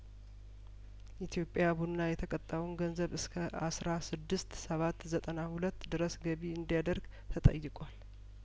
ኢትዮጵያ ቡና የተቀጣውን ገንዘብ እስከአስራ ስድስት ሰባት ዘጠና ሁለት ድረስ ገቢ እንዲያደርግ ተጠይቋል